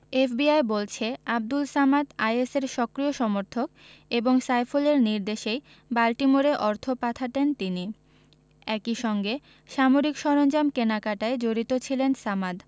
FBI বলছে আবদুল সামাদ আইএসের সক্রিয় সমর্থক এবং সাইফুলের নির্দেশেই বাল্টিমোরে অর্থ পাঠাতেন তিনি একই সঙ্গে সামরিক সরঞ্জাম কেনাকাটায় জড়িত ছিলেন সামাদ